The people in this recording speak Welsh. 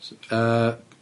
S- yy.